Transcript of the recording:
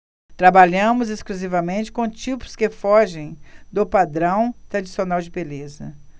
trabalhamos exclusivamente com tipos que fogem do padrão tradicional de beleza